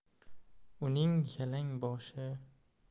uning yalang boshi